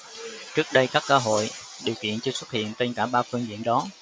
trước đây các cơ hội điều kiện chưa xuất hiện trên cả ba phương diện đó